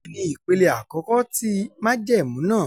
Èyí ni ìpele àkọ́kọ́ ti májẹ̀mú náà.